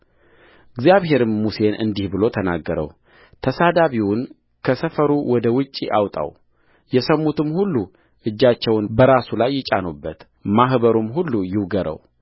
እግዚአብሔርም ሙሴን እንዲህ ብሎ ተናገረውተሳዳቢውን ከስፈሩ ወደ ውጭ አውጣው የሰሙትም ሁሉ እጃቸውን በራሱ ላይ ይጫኑበት ማኅበሩም ሁሉ ይውገረው